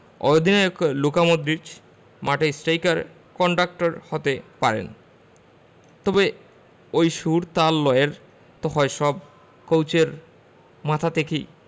অধিনায়ক Luka Modric মাঠের অর্কেস্ট্রার কন্ডাক্টর হতে পারেন তবে ওই সুর তাল লয়ের তো হয় সব কোচের মাথা থেকেই